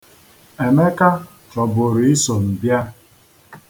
Emeka chọburu iso m bịa.